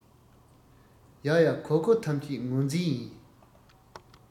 ཡ ཡ གོ གོ ཐམས ཅད ངོ འཛིན ཡིན